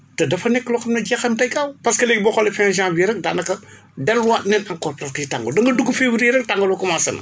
te dafa nekk loo xam ne jeexam day gaaw parce que léegi boo xoolee janvier ren daanaka delluwaat nañ encore ci tàngoor da nga dugg fii rek tàngoor bi commencé na